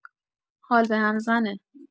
حال بهم زنه.